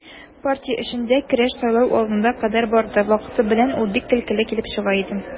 Партия эчендә көрәш сайлау алдына кадәр барды, вакыты белән ул бик көлкеле килеп чыга иде.